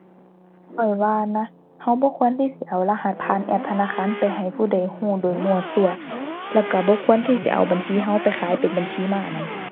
ข้อยว่านะ เราบ่ควรที่สิเอารหัสผ่านแอปธนาคารไปให้ผู้ใดเราโดยมั่วซั่ว แล้วเราบ่ควรที่สิเอาบัญชีเราไปขายเป็นบัญชีม้านำ